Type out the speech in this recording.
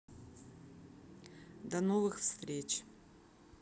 до новых встреч